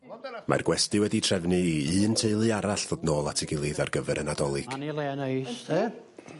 mae'r gwesty wedi trefnu i un teulu arall ddod nôl at 'i gilydd ar gyfer y Nadolig. 'Ma ni le neis 'de.